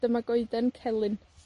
Dyma goeden celyn.